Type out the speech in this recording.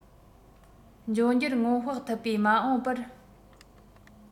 འབྱུང འགྱུར སྔོན དཔག ཐུབ པའི མ འོངས པར